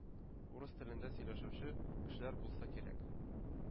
Урыс телендә сөйләшүче кешеләр булса кирәк.